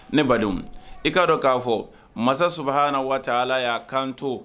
Ne badenw i k'a dɔn k'a fɔ mansa sabaha na waati ala y'a kan